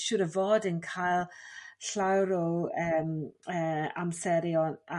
siŵr o fod yn cael llawer o eem ee amserion a